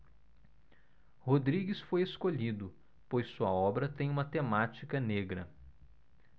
rodrigues foi escolhido pois sua obra tem uma temática negra